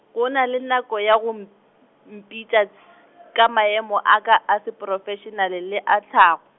go na le nako ya go m-, mpitša , ka maemo a ka seprofešenale le a tlhago.